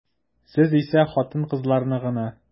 Сез исә хатын-кызларны гына.